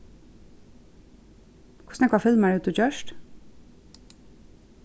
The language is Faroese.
hvussu nógvar filmar hevur tú gjørt